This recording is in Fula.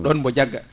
ɗon mbo jagga